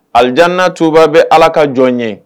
Alidna tuba bɛ ala ka jɔn ye